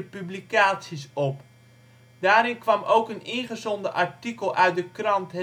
publicaties op. Daarin kwam ook een ingezonden artikel uit de krant